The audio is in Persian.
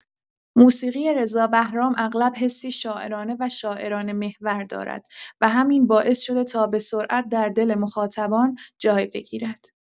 موسیقی رضا بهرام اغلب حسی شاعرانه و شاعرانه‌محور دارد و همین باعث شده تا به‌سرعت در دل مخاطبان جای بگیرد.